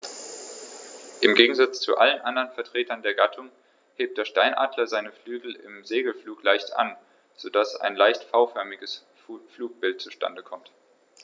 Im Gegensatz zu allen anderen Vertretern der Gattung hebt der Steinadler seine Flügel im Segelflug leicht an, so dass ein leicht V-förmiges Flugbild zustande kommt.